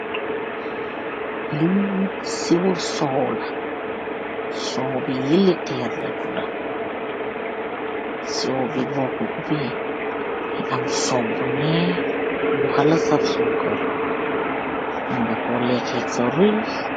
Lii siwoh sowe la, sowe bi liliterre la tuda, siwoh bi borkor ouubeh mungy am sowe bu neekh bu haarlah saf sukarrr, munga kor lehkehk sa ruiiy.